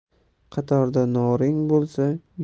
qatorda noring bo'lsa